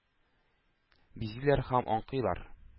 Бизиләр һәм аңкыйлар?!